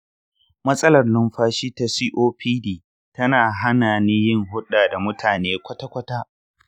matsalar numfashi ta copd ta hana ni yin hulɗa da mutane kwata-kwata.